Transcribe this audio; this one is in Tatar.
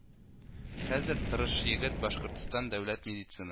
Хәзер тырыш егет Башкортстан дәүләт медицина